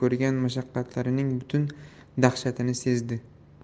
bo'yi ko'rgan mashaqqatlarining butun dahshatini sezdi